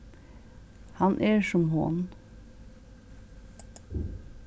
hann er sum hon